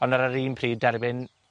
Ond ar yr un pryd, derbyn,